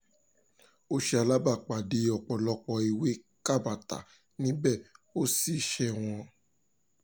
Ó ṣe alábàápàdé ọ̀pọ̀lọpọ̀ ewé kátabá níbẹ̀ ó sì ṣẹ́ wọn.